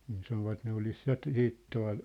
niin sanoivat ne olisi ja - sitten tuolla